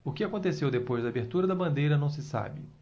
o que aconteceu depois da abertura da bandeira não se sabe